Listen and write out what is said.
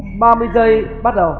ba mươi giây bắt đầu